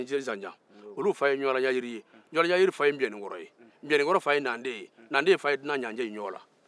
npɛnikoro fa ye naaden ye naanden fa ye dunan naanden ye